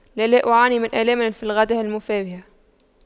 لا لا أعاني من آلام في الغدة اللمفاوية